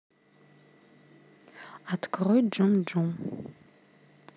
открой gym gym